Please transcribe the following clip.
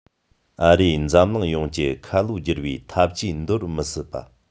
ཨ རིས འཛམ གླིང ཡོངས ཀྱི ཁ ལོ སྒྱུར བའི འཐབ ཇུས འདོར མི སྲིད པ